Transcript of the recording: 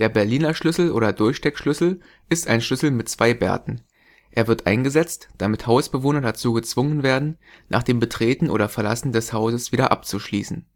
Berliner Schlüssel oder Durchsteckschlüssel ist ein Schlüssel mit zwei Bärten. Er wird eingesetzt, damit Hausbewohner dazu gezwungen werden, nach dem Betreten oder Verlassen des Hauses wieder abzuschließen